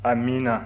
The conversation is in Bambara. amiina